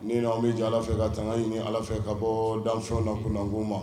Ni yanw bɛ jan ala fɛ ka tanga ɲini ala fɛ ka bɔ danfɛnw na kunna go